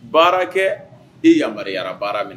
Baara kɛ i yamaruyara baara min na